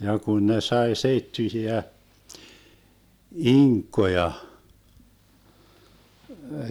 ja kun ne sai seittyisiä inkkoja